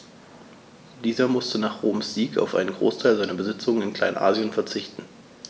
Dieser musste nach Roms Sieg auf einen Großteil seiner Besitzungen in Kleinasien verzichten.